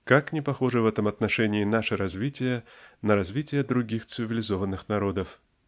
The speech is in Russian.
Как не похоже в этом отношении наше развитие на развитие других цивилизованных народов?